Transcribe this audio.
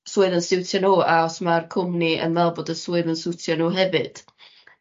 swydd yn stiwtio n'w a os ma'r cwmni yn me'wl bod y swydd yn siwtio n'w hefyd.